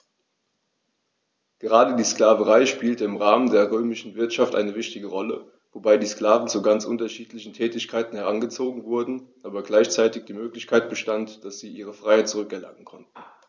Gerade die Sklaverei spielte im Rahmen der römischen Wirtschaft eine wichtige Rolle, wobei die Sklaven zu ganz unterschiedlichen Tätigkeiten herangezogen wurden, aber gleichzeitig die Möglichkeit bestand, dass sie ihre Freiheit zurück erlangen konnten.